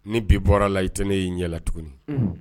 Ni bi bɔra la i tɛ ne y'i ɲɛla tuguni